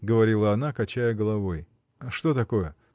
— говорила она, качая головой. — Что такое?